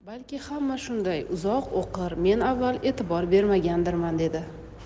balki hamma shunday uzoq o'qir men avval e'tibor bermagandirman dedi